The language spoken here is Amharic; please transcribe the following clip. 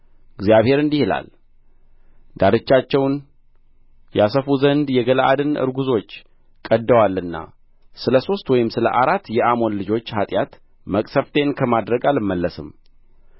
እግዚአብሔር እንዲህ ይላል ዳርቻቸውን ያሰፉ ዘንድ የገለዓድን እርጕዞች ቀድደዋልና ስለ ሦስት ወይም ስለ አራት የአሞን ልጆች ኃጢአት መቅሠፍቴን ከማድረግ አልመለስም